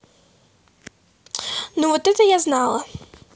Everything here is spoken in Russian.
ну вот это я знала